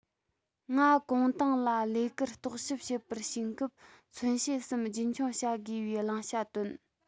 ང ཀོང ཏུང ལ ལས ཀར རྟོག ཞིབ བྱེད པར ཕྱིན སྐབས མཚོན བྱེད གསུམ རྒྱུན འཁྱོངས བྱ དགོས པའི བླང བྱ བཏོན